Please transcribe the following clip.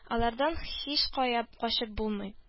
Алардан һичкая качып булмый